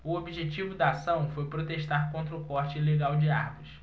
o objetivo da ação foi protestar contra o corte ilegal de árvores